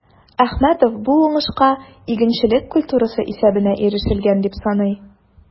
Әхмәтов бу уңышка игенчелек культурасы исәбенә ирешелгән дип саный.